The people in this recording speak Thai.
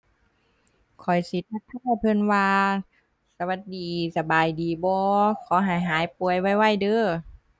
ข้อยสิทักทายเพิ่นว่าสวัสดี สบายดีบ่ ขอให้หายป่วยไวไวเด้อ